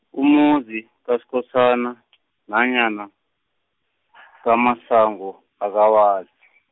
umuzi, kaSkhosana , nanyana, kaMasango, akawazi.